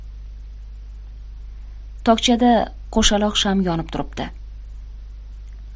tokchada qo'shaloq sham yonib turibdi